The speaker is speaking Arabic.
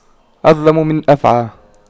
أظلم من أفعى